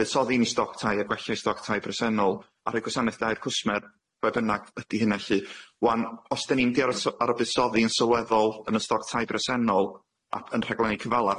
byddsoddi yn y stoc tai, a gwella i stoc tai bresennol, a rhoi gwasanaeth da i'r cwsmer be' bynnag ydi hynna lly ŵan os dan ni'n myndi ar y s- ar y byddsoddi yn sylweddol yn y stoc tai bresennol a- yn rhaglenni cyfala,